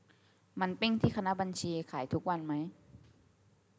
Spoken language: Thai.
มันปิ้งที่คณะบัญชีขายทุกวันไหม